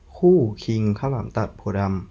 คู่คิงข้าวหลามตัดโพธิ์ดำ